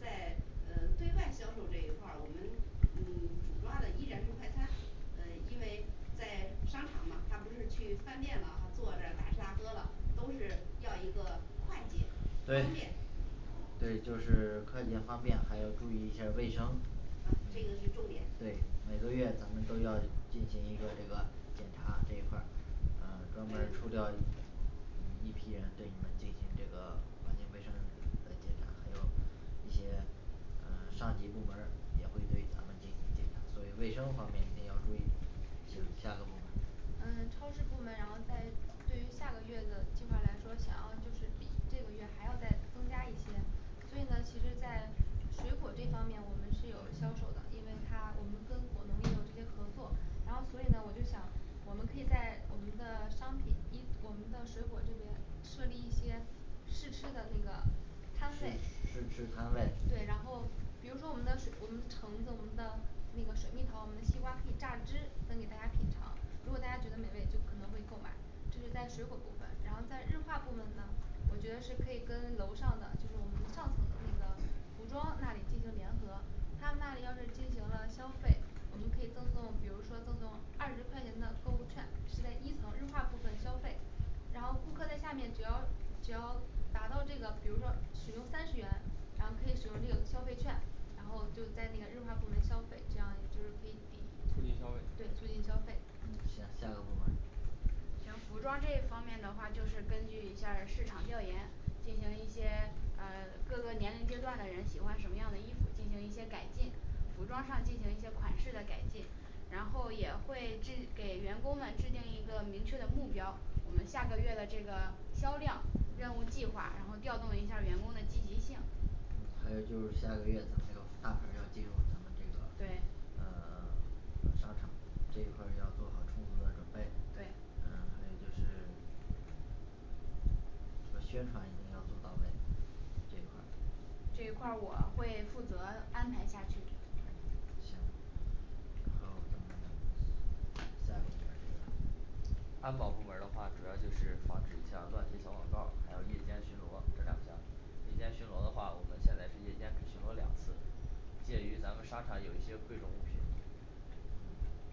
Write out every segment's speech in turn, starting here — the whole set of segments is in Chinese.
在呃对外销售这一块儿，我们嗯 主抓的依然是快餐呃因为在商场嘛他不是去饭店然后坐这儿大吃大喝了，都是要一个快捷方对便对就是快捷方便还要注意一下儿卫生嗯这个是重点对每个月咱们都要进行一个这个检查这一块儿呃各部门儿抽嗯调一嗯一批人对你们进行这个环境卫生呃进行合作一些呃上级部门儿也会对咱们进行检查所以卫生方面一定要注意行下个部门儿呃超市部门，然后在对于下个月的计划来说，想要就是比这个月还要再增加一些所以呢其实在水果这方面我们是有销售的，因为它我们跟果农也有这些合作，然后所以呢我就想我们可以在我们的商品，一我们的水果这边设立一些试吃的那个摊试位试吃摊位对，然后比如说我们的水，我们橙子，我们的那个水蜜桃，我们的西瓜可以榨汁分给大家品尝，如果大家觉得美味就可能会购买这是在水果部分，然后在日化部分呢，我觉得是可以跟楼上的就是我们上层的那个服装那里进行联合他们那里要是进行了消费，我们可以赠送比如说赠送二十块钱的购物券是在一层日化部分消费然后顾客在下面只要只要达到这个比如说使用三十元，然后可以使用这个消费券然后就在那个日化部门消费，这样也就是可以抵促进消费对促进消费嗯行下个部门儿行服装这一方面的话，就是根据一下儿市场调研，进行一些呃 各个年龄阶段的人喜欢什么样的衣服进行一些改进服装上进行一些款式的改进，然后也会制给员工们制定一个明确的目标，我们下个月的这个销量任务计划，然后调动一下儿员工的积极性还有就是下个月咱们要大牌儿要进入咱们这个对呃 呃商场，这一块儿要做好充足的准备对呃还有就是这个宣传一定要做到位。这一块儿这一块儿我会负责安排下去嗯行 然后咱们 下一个部门儿是安保部门儿的话主要就是防止像乱贴小广告儿还要夜间巡逻这两项夜间巡逻的话，我们现在是夜间只巡逻两次鉴于咱们商场有一些贵重物品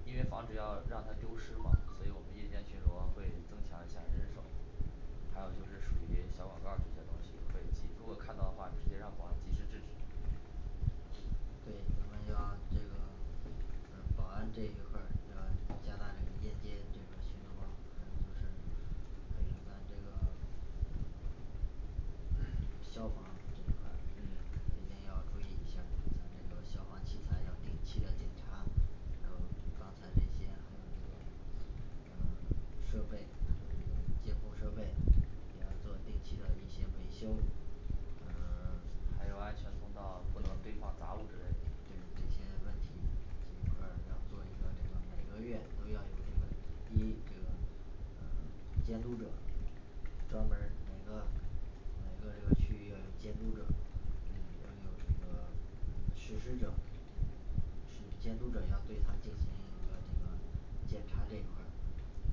因为防止要让它丢失嘛，所以我们夜间巡逻会增强一下人手还有就是属于小广告儿这些东西对，如果看到的话直接让保安及时制止对，咱们要这个呃保安这一块儿要加大这个夜间这个巡逻然后就是 可以让这个 消防这一块儿、嗯一定要注意一下儿咱们这个消防器材要定期的检查，还有装的这些那个呃 设备嗯 监控设备我们要做定期的一些维修呃 还有安全通道，不能堆对放杂物之类的对这些问题这一块儿要做一个这个每个月都要有这个第一这个呃 监督者专门儿每个每个这个区域的监督者嗯都有这个缺失者是监督者要对他进行一个这个检查这一块儿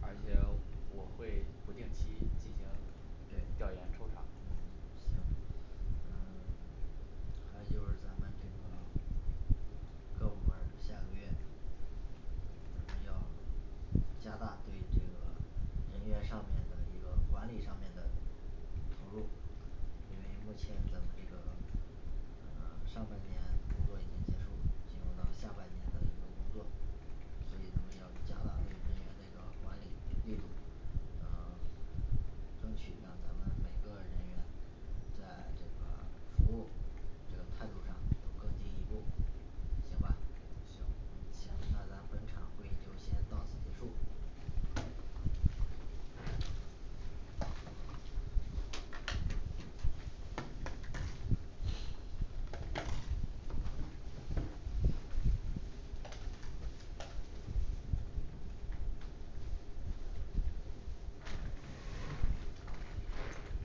而且我会不定期进行对调研抽查嗯行呃 还有就是咱们这个 各部门儿下个月一定要 加大对这个人员上面的一个管理上面的投入因为目前咱们这个 呃 上半年工作已经结束进入到下半年的一个工作所以一定要加大对员工那个管理力度呃 争取让咱们每个人员在这个服务这个态度上都更进一步行吧行行那咱本场会议就先到此结束